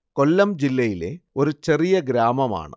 കൊല്ലം ജില്ലയിലെ ഒരു ചെറിയ ഗ്രാമമാണ്